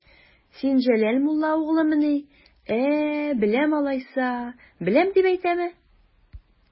Син Җәләл мулла угълымыни, ә, беләм алайса, беләм дип әйтәме?